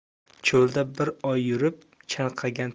cho'lda bir oy yurib chanqagan